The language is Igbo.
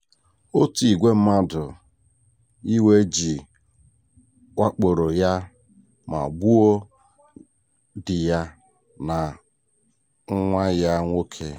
Otu ìgwè mmadụ iwe ji wakporo ya ma gbuo di ya na nwa ya nwoke.